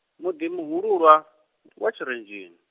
muḓi muhululwa, ndi wa Tshirenzheni.